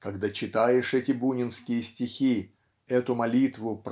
- когда читаешь эти бунинские стихи эту молитву